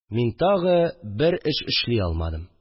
Мин тагы бер эш эшли алмадым